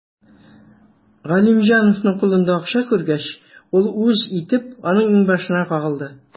Галимҗановның кулында акча күргәч, ул үз итеп аның иңбашына кагылды.